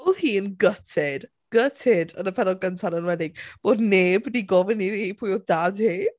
Oedd hi'n gutted gutted yn y pennod gyntaf yn enwedig bod neb wedi gofyn i hi pwy oedd dad hi.